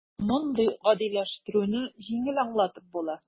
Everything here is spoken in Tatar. Мондый "гадиләштерү"не җиңел аңлатып була: